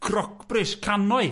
....crocbris, cannoedd!